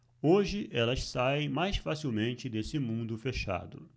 hoje elas saem mais facilmente desse mundo fechado